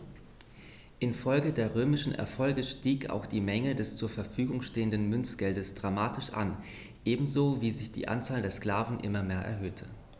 Infolge der römischen Erfolge stieg auch die Menge des zur Verfügung stehenden Münzgeldes dramatisch an, ebenso wie sich die Anzahl der Sklaven immer mehr erhöhte.